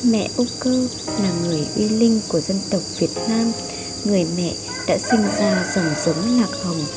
mẹ âu cơ là người uyên linh của dân tộc việt nam người mẹ đã sinh ra dòng giống lạc hồng